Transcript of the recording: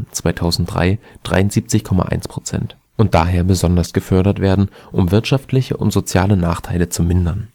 2003: 73,1 %.) und daher besonders gefördert werden, um wirtschaftliche und soziale Nachteile zu mindern